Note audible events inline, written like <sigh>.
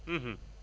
<hesitation> <hesitation>